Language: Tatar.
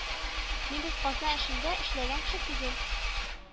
Мин бит казна эшендә эшләгән кеше түгел